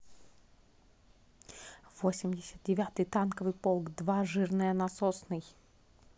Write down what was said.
восемьдесят девятый танковый полк два жирная наносный